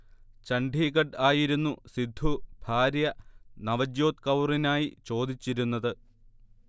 ഛണ്ഡീഗഡ് ആയിരുന്നു സിദ്ധു ഭാര്യ നവജ്യോത് കൗറിനായി ചോദിച്ചിരുന്നത്